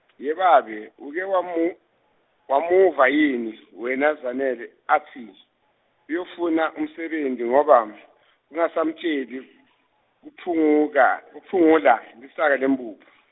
yebabe uke wamu- wamuva yini, wena Zanele atsi, uyofuna umsebenti, ngoba, kungasamtjeli kuphunguka , kuphungula lisaka lemphuphu.